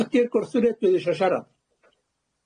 Ydi'r gwrthwynebydd isio siarad?